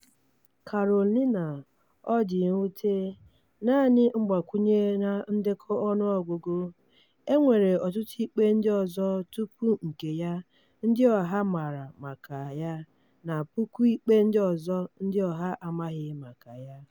Carolina, ọ dị mwute, naanị mgbakwụnye na ndekọ ọnụọgụgụ, e nwere ọtụtụ ikpe ndị ọzọ tupu nke ya ndị ọha mara maka ya na puku ikpe ndị ọzọ ndị ọha amaghị maka ya.